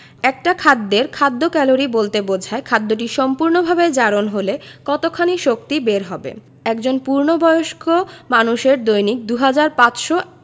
একটা খাদ্যের খাদ্য ক্যালোরি বলতে বোঝায় খাদ্যটি সম্পূর্ণভাবে জারণ হলে কতখানি শক্তি বের হবে একজন পূর্ণবয়স্ক মানুষের দৈনিক ২৫০০